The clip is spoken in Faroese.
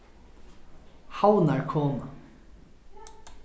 havnarkona